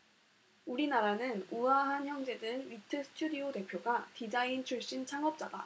우리나라는 우아한형제들 위트 스튜디오 대표가 디자인 출신 창업자다